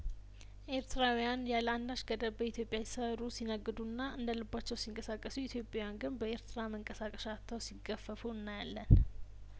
ኤርትራውያን ያለአንዳች ገደብ በኢትዮጵያ ሲሰሩ ሲነግዱና እንደልባቸው ሲንቀሳቀሱ ኢትዮጵያውያን ግን በኤርትራ መንቀሳቀሻ አጥተው ሲገፈፉ እናያለን